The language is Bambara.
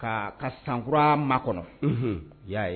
' ka sankura ma kɔnɔ i y'a ye